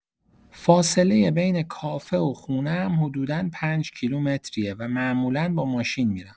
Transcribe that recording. فاصله بین کافه و خونه‌ام حدودا پنج‌کیلومتریه و معمولا با ماشین می‌رم.